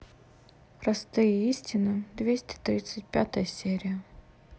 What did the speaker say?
простые истины двести тридцать пятая серия